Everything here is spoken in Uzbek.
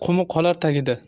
qumi qolar tagida